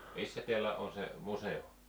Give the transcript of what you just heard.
missä täällä on se museo